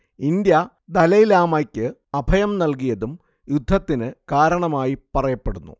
India ദലൈലാമക്ക് അഭയം നൽകിയതും യുദ്ധത്തിന് കാരണമായി പറയപ്പെടുന്നു